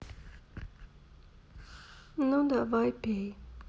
ну давай пей